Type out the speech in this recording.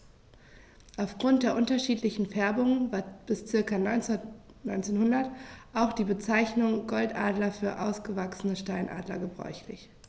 Auf Grund der unterschiedlichen Färbung war bis ca. 1900 auch die Bezeichnung Goldadler für ausgewachsene Steinadler gebräuchlich.